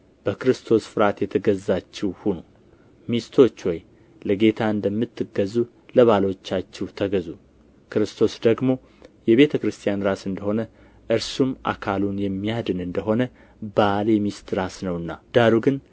በክርስቶስ ፍርሃት የተገዛችሁ ሁኑ ሚስቶች ሆይ ለጌታ እንደምትገዙ ለባሎቻችሁ ተገዙ ክርስቶስ ደግሞ የቤተ ክርስቲያን ራስ እንደ ሆነ እርሱም አካሉን የሚያድን እንደ ሆነ ባል የሚስት ራስ ነውና ዳሩ ግን